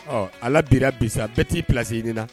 Ɔ ala bira bi a bɛɛ t'i bilasi nin na